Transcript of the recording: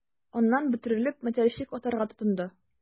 Аннан, бөтерелеп, мәтәлчек атарга тотынды...